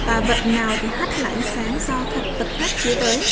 và vật nào thì hát là ánh sáng sao thực vật khác chiếu tới